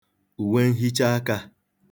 ùwenhichaakā